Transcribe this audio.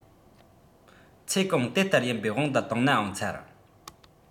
ཚེ གང དེ ལྟར ཡིན པའི དབང དུ བཏང ནའང ཚར